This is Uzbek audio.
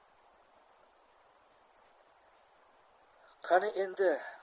qani endi